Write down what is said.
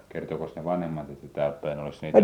kertoikos ne vanhemmat että täälläpäin olisi niitä